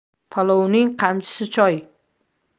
palovning qamchisi choy